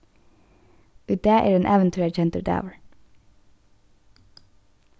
í dag er ein ævintýrakendur dagur